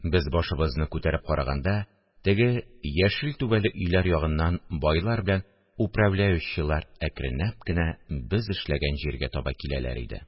Без башыбызны күтәреп караганда, теге яшел түбәле өйләр ягыннан байлар белән управляющийлар әкренләп кенә без эшләгән җиргә таба киләләр иде